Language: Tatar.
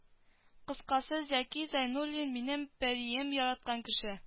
Кыскасы зәки зәйнуллин минем пәрием яраткан кеше